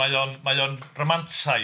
Mae o'n mae o'n rhamantaidd.